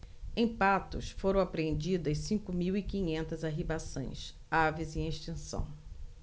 em patos foram apreendidas cinco mil e quinhentas arribaçãs aves em extinção